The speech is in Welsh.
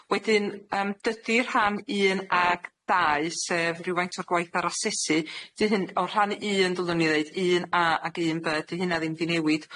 Wedyn yym dydi rhan un ag dau sef rhywfaint o'r gwaith ar asesu 'di hyn-... O, rhan un dylwn i ddeud. Un A ag un By, 'di hynna ddim 'di newid,